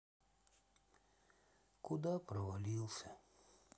куда провалился